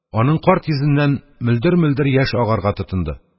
Аның карт йөзеннән мөлдер-мөлдер яшь агарга тотынды.